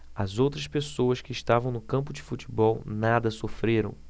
as outras pessoas que estavam no campo de futebol nada sofreram